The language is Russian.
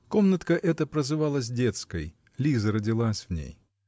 Комнатка эта прозывалась детской; Лиза родилась в ней.